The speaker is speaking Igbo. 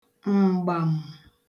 m̀gbàm